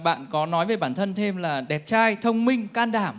bạn có nói về bản thân thêm là đẹp trai thông minh can đảm